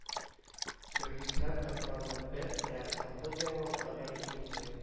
Белгечләр доклады бер ә завхоз яңалыклары икенче